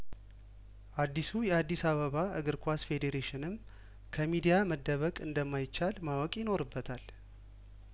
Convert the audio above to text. አዲሱ የአዲስ አበባ እግር ኳስ ፌዴሬሽንም ከሚዲያ መደበቅ እንደማይቻል ማወቅ ይኖርበታል